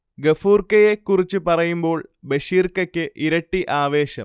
ഗഫൂർക്കയെ കുറിച്ച് പറയുമ്പോൾ ബഷീർക്കക്ക് ഇരട്ടി ആവേശം